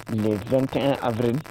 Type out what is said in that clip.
Tile dɔn tɛ abiri